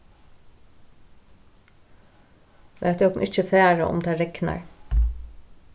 latið okkum ikki fara um tað regnar